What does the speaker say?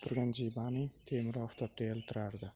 turgan jibaning temiri oftobda yiltirardi